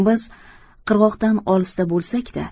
biz qirg'oqdan olisda bo'lsak da